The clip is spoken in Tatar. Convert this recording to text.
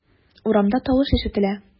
Урамда тавыш ишетелә.